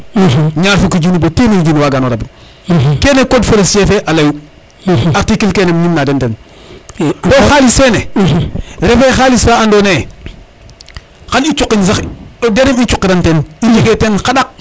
ñaar fuki junni koy bo temeri junni waga no rabin kene code forestier fe a leyu article kene im ñimna den ten to xalis fene refe xalis fa adno naye xan i cukin sx o derem i cukiran tem i njege ten xaɗaq